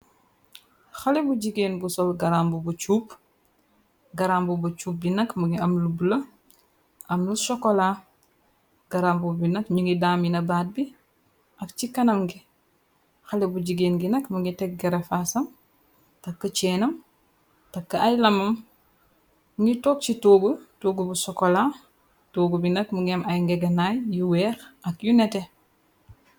xale bu jigeen bu sol garamb bu cuup garamb bu cuup bi nag mungi am lu bula am lu sokola garambb bi nag ñu ngi daamina baat bi ab ci kanam ngi xale bu jigeen gi nag mu ngi teg gera faasal takk ceenam takk ay lamam ngi tog ci toogu toggu bu sokola toogu bi nag mu ngeem ay ngegenaay yu weer ak yu nete